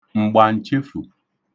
m̀gbàǹchefù